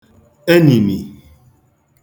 enìnì